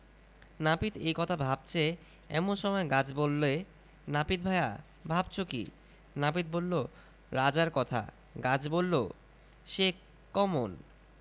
নাপিত এই কথা ভাবছে এমন সময় গাছ বললে নাপিত ভায়া ভাবছ কী নাপিত বলল রাজার কথা গাছ বলল সে কমন